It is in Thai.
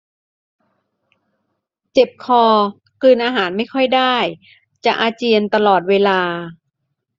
เจ็บคอกลืนอาหารไม่ค่อยได้จะอาเจียนตลอดเวลา